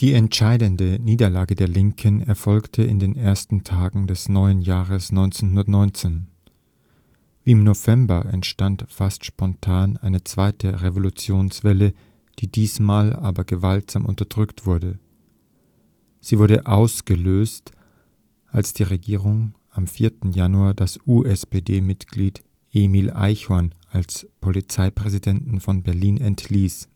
entscheidende Niederlage der Linken erfolgte in den ersten Tagen des neuen Jahres 1919. Wie im November entstand fast spontan eine zweite Revolutionswelle, die diesmal aber gewaltsam unterdrückt wurde. Sie wurde ausgelöst, als die Regierung am 4. Januar das USPD-Mitglied Emil Eichhorn als Polizeipräsidenten von Berlin entließ